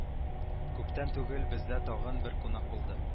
Күптән түгел бездә тагын бер кунак булды